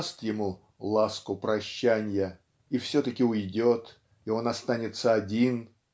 даст ему "ласку прощанья" и все-таки уйдет и он останется один.